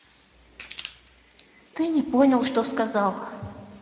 ты не понял что сказал